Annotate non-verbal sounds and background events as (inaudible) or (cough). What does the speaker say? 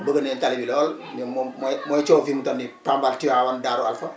bëgg nañ tali bi lool (crosstalk) mais moom mooy mooy coow fi mu toll nii Pambal Tivaouane Darou Alpha